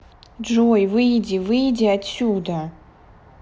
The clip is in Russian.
джой выйди выйди отсюда